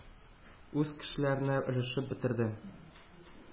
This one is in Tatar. Үз кешеләренә өләшеп бетерде.